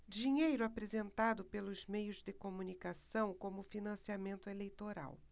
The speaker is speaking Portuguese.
dinheiro apresentado pelos meios de comunicação como financiamento eleitoral